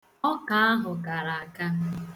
Ọka ahụ kara aka.